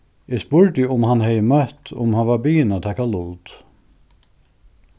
eg spurdi um hann hevði møtt um hann var biðin at taka lut